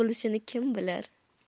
bo'lishini kim bilar